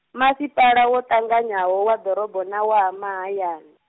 masipala wo ṱanganyaho wa ḓorobo na wa ha mahayani.